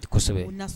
Kosɛbɛ